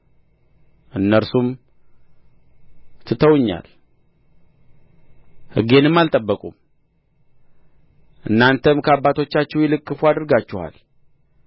እነርሱም ትተውኛል ሕጌንም አልጠበቁም እናንተም ከአባቶቻችሁ ይልቅ ክፉ አድርጋችኋል